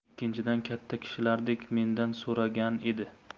ikkinchidan katta kishilardek mendan so'ragan edi